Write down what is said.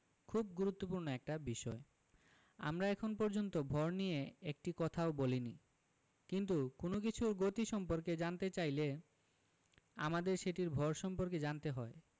খুব গুরুত্বপূর্ণ একটা বিষয় আমরা এখন পর্যন্ত ভর নিয়ে একটি কথাও বলিনি কিন্তু কোনো কিছুর গতি সম্পর্কে জানতে চাইলে আমাদের সেটির ভর সম্পর্কে জানতে হয়